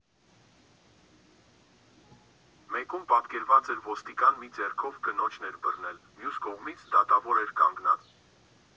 Մեկում պատկերված էր ոստիկան՝ մի ձեռքով կնոջն էր բռնել, մյուս կողմից՝ դատավոր էր կանգնած։